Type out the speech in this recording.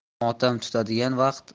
motam tutadigan vaqt